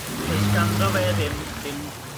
does ganddo fe ddim ddim